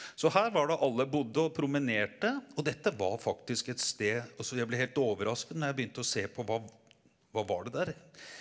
så her var det alle bodde og promenerte og dette var faktisk et sted altså jeg ble helt overrasket når jeg begynte å se på hva hva var det der?